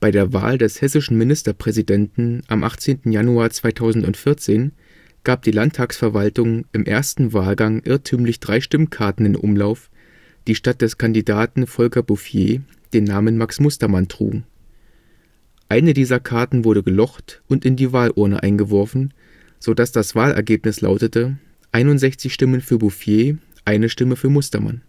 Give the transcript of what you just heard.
der Wahl des hessischen Ministerpräsidenten am 18. Januar 2014 gab die Landtagsverwaltung im ersten Wahlgang irrtümlich drei Stimmkarten in Umlauf, die statt des Kandidaten Volker Bouffier den Namen Max Mustermann trugen. Eine dieser Karten wurde gelocht und in die Wahlurne eingeworfen, sodass das Wahlergebnis lautete: 61 Stimmen für Bouffier, eine Stimme für Mustermann